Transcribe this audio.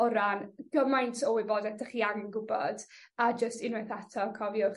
o ran gymaint o wybodaeth 'dych chi angen gwbod a jys unwaith eto cofiwch